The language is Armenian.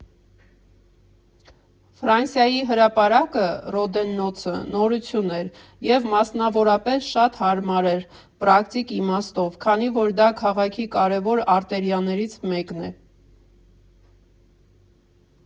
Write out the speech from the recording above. Ֆրանսիայի հրապարակը՝ Ռոդեննոցը, նորություն էր, և մասնավորապես շատ հարմար էր պրակտիկ իմաստով, քանի որ դա քաղաքի կարևոր արտերիաներից մեկն է.